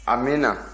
amiina